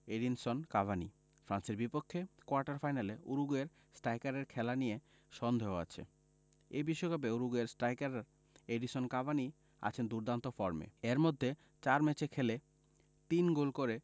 Edinson Cavani ফ্রান্সের বিপক্ষে quarter ফাইনালে উরুগুয়ে স্ট্রাইকারের খেলা নিয়ে সন্দেহ আছে এই বিশ্বকাপে উরুগুয়ের স্ট্রাইকার এডিনসন কাভানি আছেন দুর্দান্ত ফর্মে এর মধ্যে ৪ ম্যাচে খেলে ৩ গোল করে